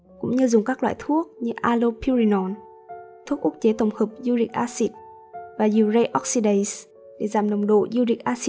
cũng như dùng các loại thuốc như allopurinol và urate oxidase để giảm nồng độ uric acid